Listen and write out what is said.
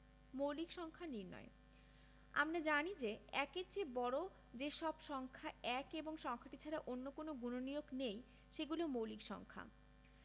মৌলিক সংখ্যা নির্ণয় আমরা জানি যে ১-এর চেয়ে বড় যে সব সংখ্যা ১ ও সংখ্যাটি ছাড়া অন্য কোনো গুণনীয়ক নেই সেগুলো মৌলিক সংখ্যা